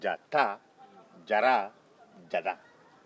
jata jala jada jara